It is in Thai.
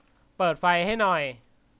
เปิดไฟให้หน่อย